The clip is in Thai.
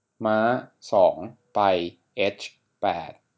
ม้าสองไปเอชแปด